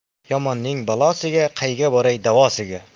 yomonning balosiga qayga boray davosiga